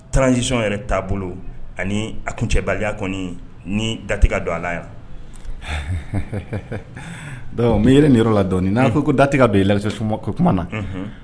Transition yɛrɛ taabolo ani a kuncɛbaliya kɔni ni da tɛ ka don a la yan. Donc n bɛ yɛlɛ nin yɔrɔ la dɔɔni n'aw ko ko da tɛ ka don élection ko kuma na Unhun.